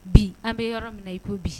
Bi an bɛ yɔrɔ min na i ko bi